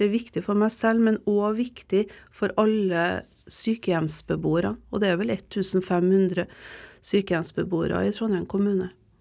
det er viktig for meg selv, men òg viktig for alle sykehjemsbeboere og det er vel 1500 sykehjemsbeboere i Trondheim kommune.